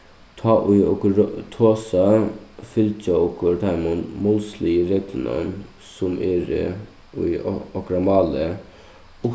tá ið okur tosa fylgja okur teimum málsligu reglunum sum eru í okra máli